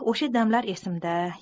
o'sha damlar esimda